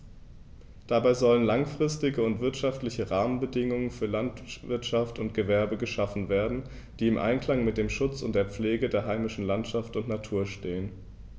Dabei sollen langfristige und wirtschaftliche Rahmenbedingungen für Landwirtschaft und Gewerbe geschaffen werden, die im Einklang mit dem Schutz und der Pflege der heimischen Landschaft und Natur stehen.